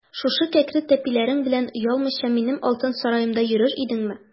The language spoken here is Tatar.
Шушы кәкре тәпиләрең белән оялмыйча минем алтын сараемда йөрер идеңме?